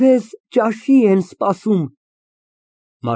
Ձեզ ճաշի են սպասում։